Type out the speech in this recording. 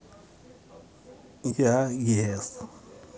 я yes